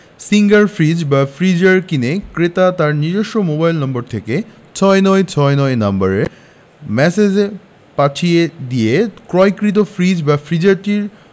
singer fridge freezer কিনে ক্রেতা তার নিজস্ব মোবাইল নম্বর থেকে ৬৯৬৯ নম্বরে ম্যাসেজ পাঠিয়ে দিয়ে ক্রয়কৃত ফ্রিজ/ফ্রিজারটির